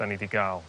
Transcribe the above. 'dan ni 'di ga'l